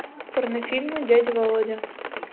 порнофильмы дядя володя